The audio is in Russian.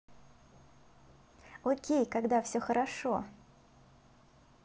окей когда все хорошо